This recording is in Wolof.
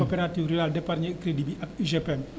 Coopérative rurale d' épargne crédit bi ak UGPM